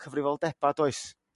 cyfrifoldeba' does?